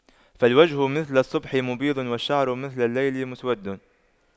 فالوجه مثل الصبح مبيض والشعر مثل الليل مسود